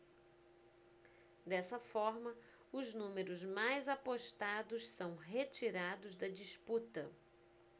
dessa forma os números mais apostados são retirados da disputa